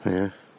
Ie.